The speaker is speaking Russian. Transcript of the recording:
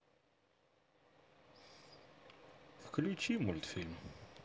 включи мультфильм